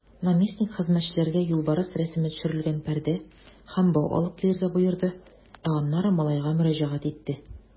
Наместник хезмәтчеләргә юлбарыс рәсеме төшерелгән пәрдә һәм бау алып килергә боерды, ә аннары малайга мөрәҗәгать итте.